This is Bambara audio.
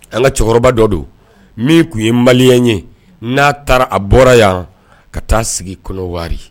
An ka cɛkɔrɔba dɔ don min kun ye Malien ye na taara a bɔra yan ka taa sigi Kodowari.